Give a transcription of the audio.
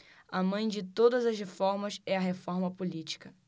a mãe de todas as reformas é a reforma política